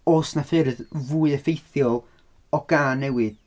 Oes 'na ffyrdd fwy effeithiol o gael newid?